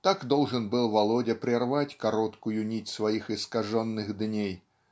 Так должен был Володя прервать короткую нить своих искаженных дней